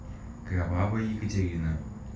кровавая екатерина